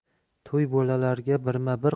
toy bolalarga birma bir